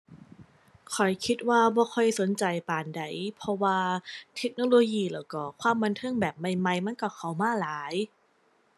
ข้อยคิดว่าบ่ค่อยสนใจปานใด เพราะว่าเทคโนโลยีแล้วก็ความบันเทิงแบบใหม่ใหม่มันก็เข้ามาหลาย